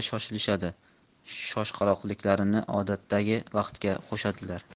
shoshilishadi shoshqaloqliklarini odatdagi vaqtga qo'shadilar